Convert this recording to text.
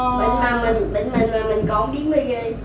bệnh của mình mà mình cũng không biết mới ghê